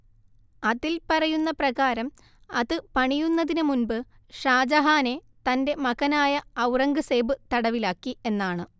അതിൽ പറയുന്ന പ്രകാരം അത് പണിയുന്നതിനു മുൻപ് ഷാജഹാനെ തന്റെ മകനായ ഔറംഗസേബ് തടവിലാക്കി എന്നാണ്